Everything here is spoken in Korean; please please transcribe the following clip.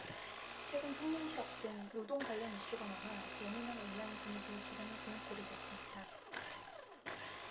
최근 청년 실업 등 노동 관련 이슈가 많아 예민한 온라인 분위기에 기름을 부은 꼴이 됐습니다